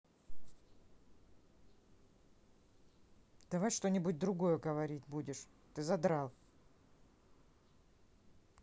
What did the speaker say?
давай что нибудь другое говорить будешь ты задрал